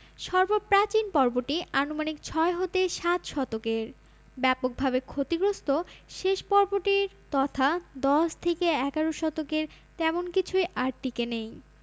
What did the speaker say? সর্বপ্রাচীন পর্বটি আনুমানিক ছয় হতে সাত শতকের ব্যাপকভাবে ক্ষতিগ্রস্ত শেষ পর্বটির তথা দশ থেকে এগারো শতকের তেমন কিছুই আর টিকে নেই